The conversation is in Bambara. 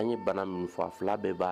An ye bana minfa fila bɛɛ ba